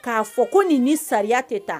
K'a fɔ ko nin ni sariya tɛ taa